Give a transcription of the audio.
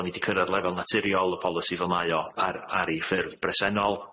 bo' ni di cyrradd lefel naturiol y polisi fel mae o ar ar ei ffyrdd bresennol.